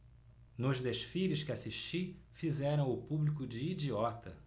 nos desfiles que assisti fizeram o público de idiota